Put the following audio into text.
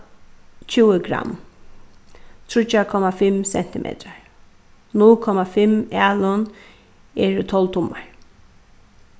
tjúgu gramm tríggjar komma fimm sentimetrar null komma fimm alin eru tólv tummar